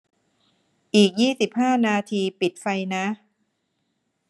อีกยี่สิบห้านาทีปิดไฟนะ